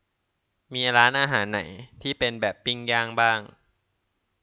มีร้านอาหารไหนที่เป็นแบบปิ้งย่างบ้าง